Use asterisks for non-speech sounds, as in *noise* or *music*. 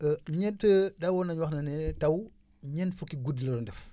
*hesitation* ñett daawoon nañu wax ne taw ñeent fukki guddi la doon def